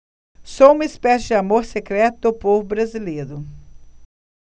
sou uma espécie de amor secreto do povo brasileiro